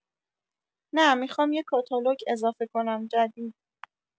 نه میخوام یه کاتالوگ اضافه کنم جدید